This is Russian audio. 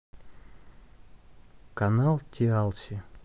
канал тиалси